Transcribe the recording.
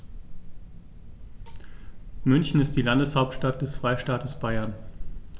München ist die Landeshauptstadt des Freistaates Bayern.